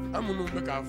An minnu bɛ k'a fɔ